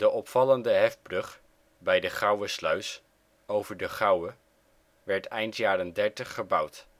opvallende hefbrug bij de Gouwesluis over de Gouwe werd eind jaren dertig gebouwd